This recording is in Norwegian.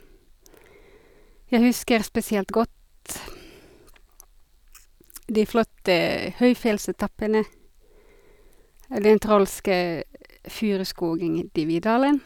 Jeg husker spesielt godt de flotte høyfjellsetappene eller den trolske furuskogen i Dividalen.